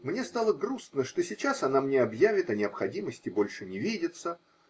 Мне стало грустно, что сейчас она мне объявит о необходимости больше не видеться.